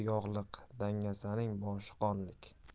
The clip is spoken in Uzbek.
yog'liq dangasaning boshi qonlik